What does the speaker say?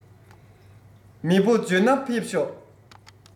མི ཕོ འཇོན ན ཕེབས ཤོག